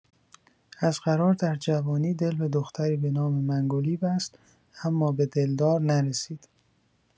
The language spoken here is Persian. از قرار در جوانی دل به دختری به‌نام منگلی بست اما به دلدار نرسید.